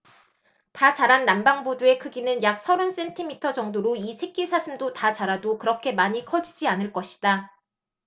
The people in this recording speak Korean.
다 자란 남방부두의 크기는 약 서른 센티미터 정도로 이 새끼사슴도 다 자라도 그렇게 많이 커지지 않을 것이다